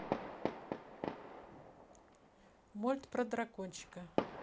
мульт про дракончика